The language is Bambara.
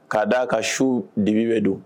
K'a d'a kan su dibi bɛ don